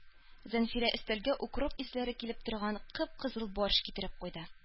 Зәнфирә өстәлгә укроп исләре килеп торган кып-кызыл борщ китереп куйды.